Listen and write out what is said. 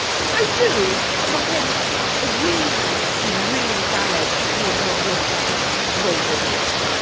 I do, ond mae fe'n rili, rili galed i fod mor ripped â hwnna rownd y rîl.